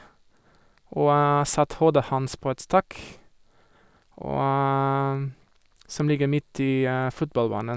Og satt hodet hans på et stokk og som ligger midt i fotballbanen.